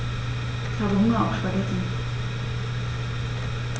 Ich habe Hunger auf Spaghetti.